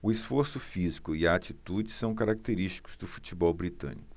o esforço físico e a atitude são característicos do futebol britânico